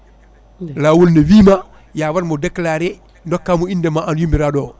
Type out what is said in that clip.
laawol ne wima ya watmo déclaré dokkama inde ma an yummirɗo o